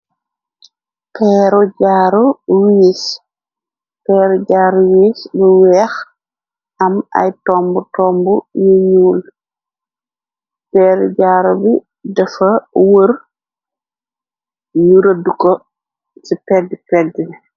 Peeru jaaru wiis peer jaaru wiis bu weex am ay tomb tomb yi ñuul peeru jaaru bi defa wër ñu rëdd ko ci pegg-peggi.